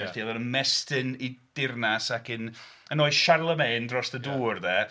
Felly oedd o'n ymestyn ei deyrnas ac un... yn oes Charlemagne dros y dŵr 'de.